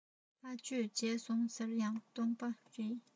ལྷ ཆོས བྱས སོང ཟེར ཡང སྟོང པ རེད